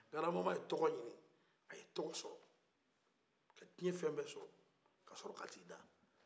grabamama ye tɔgɔ ɲini a ye tɔgɔ sɔrɔ a ye dunuya fɛn bɛɛ sɔrɔ ka sɔrɔ ka taa a da